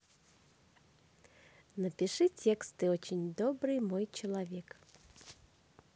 напиши текст ты очень добрый мой человек